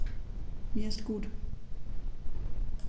Mir ist gut.